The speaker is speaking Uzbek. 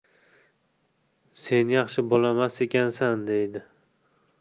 sen yaxshi bolamas ekansan deydi